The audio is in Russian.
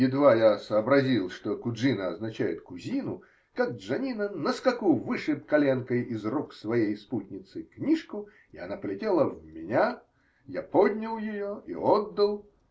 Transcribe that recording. Едва я сообразил, что куджина означает "кузину", как Джаннино на скаку вышиб коленкой из рук своей спутницы книжку, и она полетела в меня. Я поднял ее и отдал.